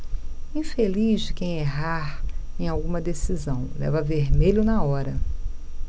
infeliz de quem errar em alguma decisão leva vermelho na hora